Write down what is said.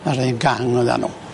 yr un gang o'dda n'w.